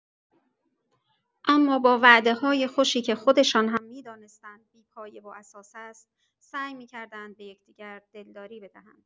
اما با وعده‌های خوشی که خودشان هم می‌دانستند بی‌پایه‌واساس است، سعی می‌کردند به یکدیگر دلداری بدهند.